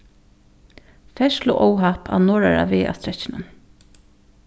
ferðsluóhapp á norðara vegastrekkinum